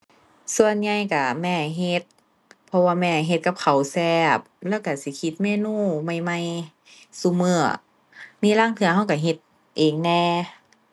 ส่วนใหญ่ก็แม่เฮ็ด เพราะว่าแม่เฮ็ดกับข้าวแซ่บ เลาก็สิคิดเมนูใหม่ใหม่ซุมื้อ มีลางเทื่อก็ก็เฮ็ดเองแหน่